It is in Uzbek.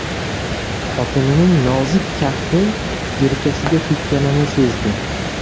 xotinining nozik kafti yelkasiga tekkanini sezdi